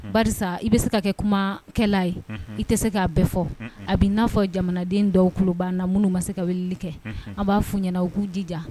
Ba i bɛ se ka kɛ kumakɛla ye i tɛ se k'a bɛ fɔ a bɛ n'a fɔ jamanaden dɔw kuba na minnu ma se ka wuli kɛ an b'a f ɲɛna u k'u dija